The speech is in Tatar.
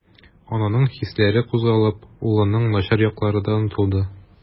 Ананың хисләре кузгалып, улының начар яклары да онытылды.